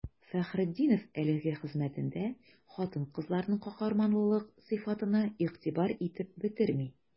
Фәхретдинов әлеге хезмәтендә хатын-кызларның каһарманлылык сыйфатына игътибар итеп бетерми.